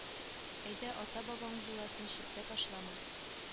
Әйдә ата-бабаң җоласын читкә ташлама